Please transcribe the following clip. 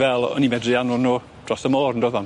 Fel o'n ni medru anfon nw dros y môr on'd o'ddon?